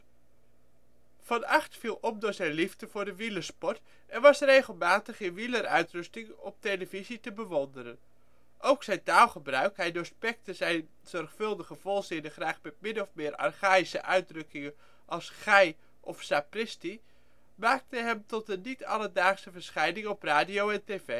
Van Agt viel op door zijn liefde voor de wielersport en was regelmatig in wieleruitrusting op de televisie te bewonderen. Ook zijn taalgebruik (hij doorspekte zijn zorgvuldige volzinnen graag met min of meer archaïsche uitdrukkingen als " gij " of " sapristi ") maakte hem tot een niet alledaagse verschijning op radio en